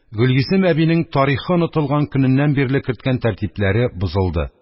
Гөлйөзем әбинең тарихы онытылган көннән бирле керткән тәртипләре бозылды